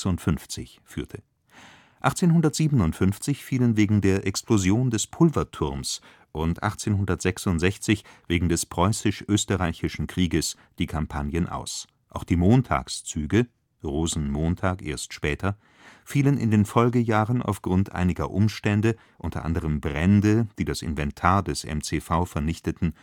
1856) führte. 1857 fielen wegen der Explosion des Pulverturms und 1866 wegen des preußisch-österreichischen Krieges die Kampagnen aus. Auch die Montagszüge (Rosenmontag erst später) fielen in den Folgejahren aufgrund einiger Umstände (u. a. Brände, die das Inventar des MCV vernichteten